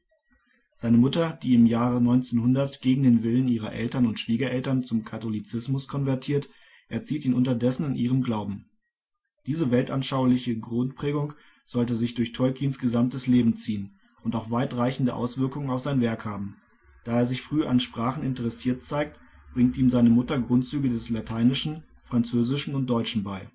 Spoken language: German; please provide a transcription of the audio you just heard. Seine Mutter, die im Jahre 1900 gegen den Willen ihrer Eltern und Schwiegereltern zum Katholizismus konvertiert, erzieht ihn unterdessen in ihrem Glauben. Diese weltanschauliche Grundprägung sollte sich durch Tolkiens gesamtes Leben ziehen und auch weitreichende Auswirkungen auf sein Werk haben. Da er sich früh an Sprachen interessiert zeigt, bringt ihm seine Mutter Grundzüge des Lateinischen, Französischen und Deutschen bei